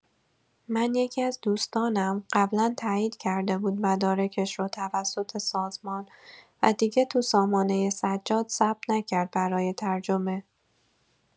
من یکی‌از دوستانم قبلا تایید کرده بود مدارکش رو توسط سازمان و دیگه تو سامانه سجاد ثبت نکرد برای ترجمه.